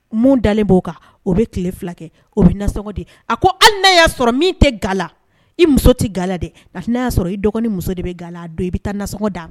Mun dalen b'o kan o be tile 2 kɛ o be nasɔŋɔ di a ko hali n'a y'a sɔrɔ min te ga la i muso ti ga la dɛ n'a y'a sɔrɔ i dɔgɔnin muso de be ga la a don i be taa nasɔŋɔ d'a ma